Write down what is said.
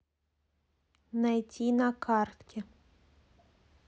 найти на карте